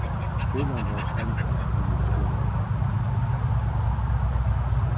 tyrlan varð send eftir henni í skúvoy